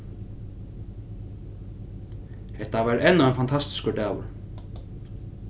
hetta var enn ein fantastiskur dagur